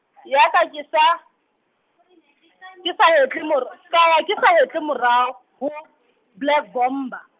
ya ka ke sa, ke sa hetle mor-, ka ya ke sa hetle morao, ho, Black Bomber.